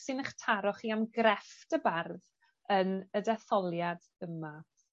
sy'n 'ych taro chi am grefft y bardd yn y detholiad yma?